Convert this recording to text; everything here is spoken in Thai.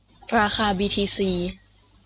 ราคาบีทีซี